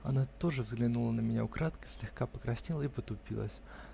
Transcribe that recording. Она тоже взглянула на меня украдкой, слегка покраснела и потупилась.